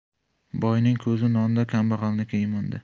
boyning ko'zi nonda kambag'alniki imonda